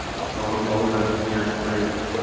buratog'ni bobur yoshligidan yaxshi ko'rar edi